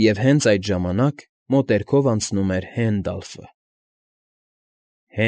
Եվ հենց այդ ժամանակ մոտերքով անցնում էր Հենդալֆը։